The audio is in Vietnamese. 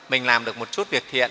mình làm được một chút việc thiện